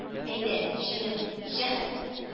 – әйдә, җыен! җәһәт